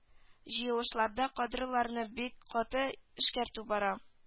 Җыелышларда кадрларны бик каты эшкәртү бара